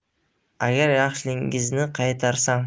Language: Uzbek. agar yaxshiligingizni qaytarsam